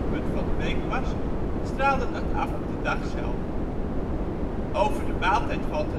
van de week was, straalde dat af op de dag zelf. Over de maaltijd valt